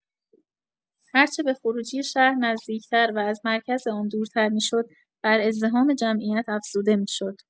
هرچه به خروجی شهر نزدیک‌تر و از مرکز آن دورتر می‌شد، بر ازدحام جمعیت افزوده می‌شد.